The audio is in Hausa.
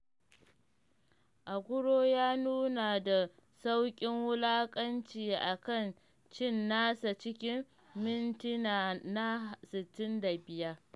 Aguero ya nuna da saukin wulakanci a kan cin nasa cikin mintina na 65.